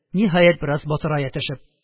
Ниһаять, бераз батырая төшеп